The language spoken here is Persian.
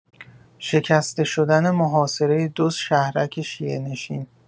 شکسته شدن محاصره دو شهرک شیعه‌نشین